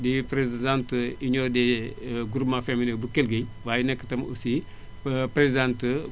di présidente Union des groupements féminins bu Kelle Gueye waaye nekk tam aussi présidente